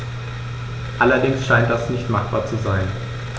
Allerdings scheint das nicht machbar zu sein.